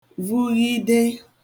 vughide